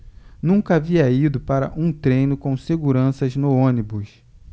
nunca havia ido para um treino com seguranças no ônibus